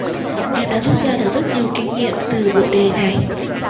em đã rút ra được rất nhiều kinh nghiệm từ bộ đề này